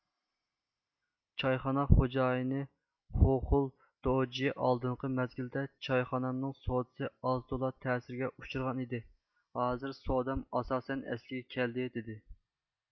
چايخانا خوجايىنى خوخۈل دوجيې ئالدىنقى مەزگىلدە چايخانامنىڭ سودىسى ئاز تولا تەسىرگە ئۇچرىغان ئىدى ھازىر سودام ئاساسەن ئەسلىگە كەلدى دىدى